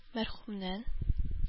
Мәрхүмнән